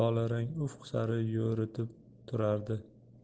lolarang ufq sari yo'ritib turardi